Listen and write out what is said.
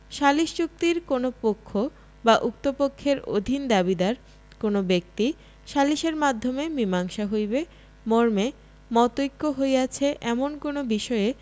সালিস চুক্তির কোন পক্ষ বা উক্ত পক্ষের অধীন দাবীদার কোন ব্যক্তি সালিসের মাধ্যমে মীসাংসা হইবে মর্মে মতৈক্য হইয়াছে এমন কোন বিষয়ে